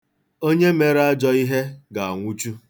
Onye mere ajọ ihe ga-anwụchu.